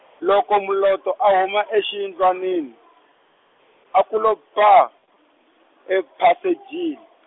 loko Moloto a huma exiyindlwanini, a ku lo paa, ephasejini.